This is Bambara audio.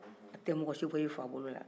a tɛ mɔgɔ si b'i fabolo ya la